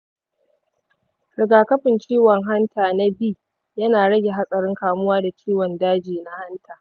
rigakafin ciwon hanta na b yana rage hatsarin kamuwa da ciwon daji na hanta.